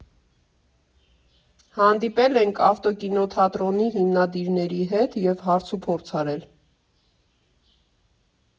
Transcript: Հանդիպել ենք ավտոկինոթատրոնի հիմնադիրների հետ և հարցուփորձ արել։